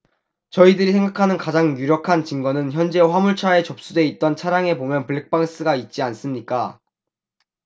저희들이 생각하는 가장 유력한 증거는 현재 화물차에 접수돼 있던 차량에 보면 블랙박스가 있지 않습니까